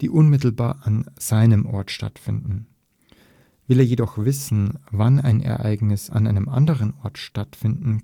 die unmittelbar an seinem Ort stattfinden. Will er jedoch wissen, wann ein Ereignis an einem anderen Ort stattgefunden